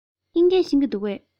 དབྱིན སྐད ཤེས ཀྱི འདུག གས